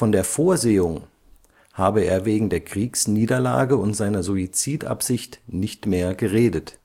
der „ Vorsehung “habe er wegen der Kriegsniederlage und seiner Suizidabsicht nicht mehr geredet